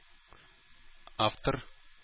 Автор